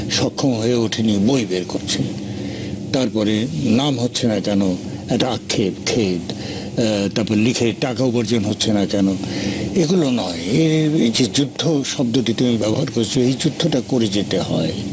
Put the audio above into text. সক্ষম হয়ে ওঠেনি বই বের করছি তারপরে নাম হচ্ছে না কেন একটা আক্ষেপ খেদ তারপর লিখে টাকা উপার্জন হচ্ছে না কেন এগুলো নয় এই যে যুদ্ধ শব্দটি তুমি ব্যবহার করেছ যুদ্ধ টা করে যেতে হয়